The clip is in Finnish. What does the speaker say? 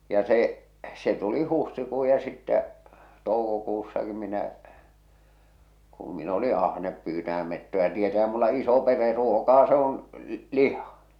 ja se se tuli huhtikuu ja sitten toukokuussakin minä kun minä oli ahne pyytämään metsoja tietäähän minulla iso perhe ruokaa se on liha